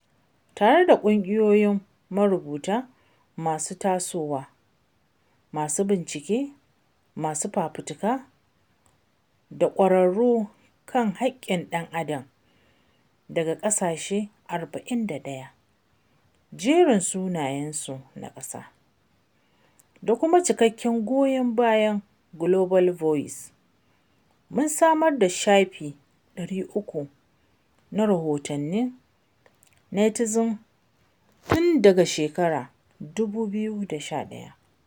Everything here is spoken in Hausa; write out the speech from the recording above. Tare da ƙungiyoyin marubuta masu tasowa, masu bincike, masu fafutuka da ƙwararru kan haƙƙin ɗan adam daga ƙasashe 41 (jerin sunayensu na ƙasa), da kuma cikakken goyon bayan Global Voices, mun samar da kwafi 300 na Rahoton Netizen tun daga shekarar 2011.